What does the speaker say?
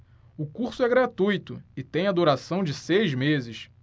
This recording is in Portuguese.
o curso é gratuito e tem a duração de seis meses